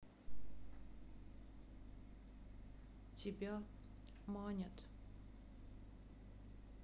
тебя манят